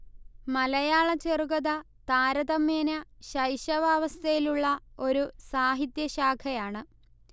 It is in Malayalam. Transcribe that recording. മലയാള ചെറുകഥ താരതമ്യേന ശൈശവാവസ്ഥയിലുള്ള ഒരു സാഹിത്യ ശാഖയാണ്